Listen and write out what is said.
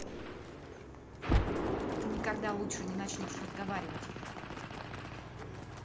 ты никогда лучше не начнешь разговаривать